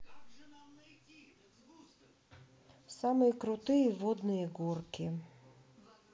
самые крутые водные горки